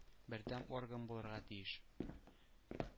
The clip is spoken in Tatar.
Бердәм орган булырга тиеш.